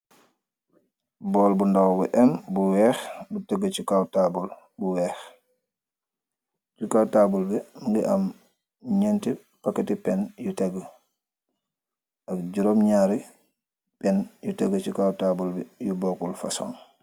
Bool bu ndaw bu eem bu weex bu tegu si tabul bu weex si kaw tabul bi mogi aam nyeenti packeti pen yu tegu ak juroom naari pen yu tegu si kaw tabul bi yu bokul fosong.